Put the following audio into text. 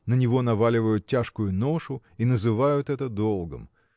на него наваливают тяжкую ношу и называют это долгом!